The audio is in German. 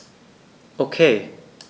Okay.